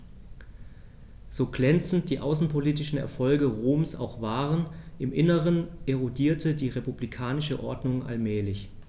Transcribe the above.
So glänzend die außenpolitischen Erfolge Roms auch waren: Im Inneren erodierte die republikanische Ordnung allmählich.